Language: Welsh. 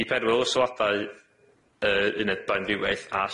I berwyl y sylwadau yy uned baioamrywiaeth a